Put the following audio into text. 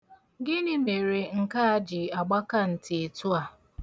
Gịnị mere nke a ji agbaka nti etu a?